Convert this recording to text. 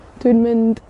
Dwi'n mynd